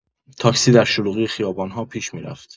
تاکسی در شلوغی خیابان‌ها پیش می‌رفت.